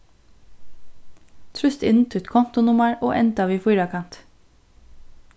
trýst inn títt kontunummar og enda við fýrakanti